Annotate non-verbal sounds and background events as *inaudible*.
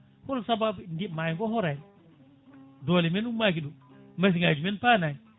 hol sababu *hesitation* maayo ngo horani dole men ummaki ɗo machine ngaji men panani